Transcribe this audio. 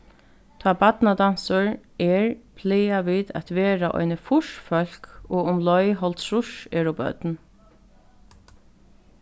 tá barnadansur er plaga vit at vera eini fýrs fólk og umleið hálvtrýss eru børn